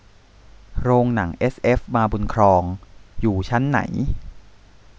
โรงหนังเอสเอฟมาบุญครองอยู่ชั้นไหน